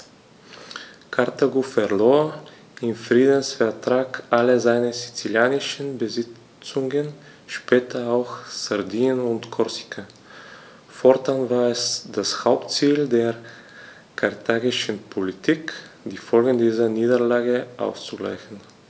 Karthago verlor im Friedensvertrag alle seine sizilischen Besitzungen (später auch Sardinien und Korsika); fortan war es das Hauptziel der karthagischen Politik, die Folgen dieser Niederlage auszugleichen.